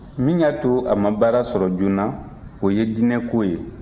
min y'a to a ma baara sɔrɔ joona o ye diinɛko ye